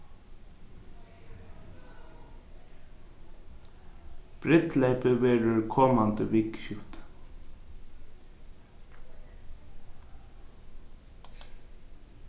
brúdleypið verður komandi vikuskifti